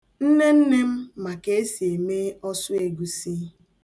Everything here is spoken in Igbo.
Nnenne m ma ka esi eme ọsụegusi.